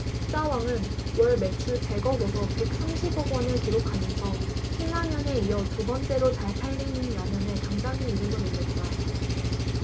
짜왕은 월 매출 백 억 에서 백 삼십 억원을 기록하면서 신라면에 이어 두번째로 잘 팔리는 라면에 당당히 이름을 올렸다